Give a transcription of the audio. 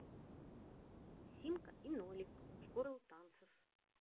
симка и нолик школа танцев